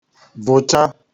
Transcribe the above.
vụ̀cha